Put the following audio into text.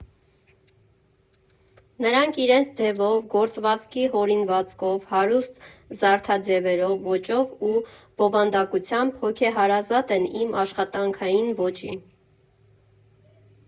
Նրանք իրենց ձևով, գործվածքի հորինվածքով, հարուստ զարդաձևերով, ոճով ու բովանդակությամբ հոգեհարազատ են իմ աշխատանքային ոճին։